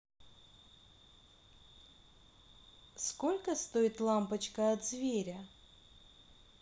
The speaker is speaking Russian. сколько стоит лампочка от зверя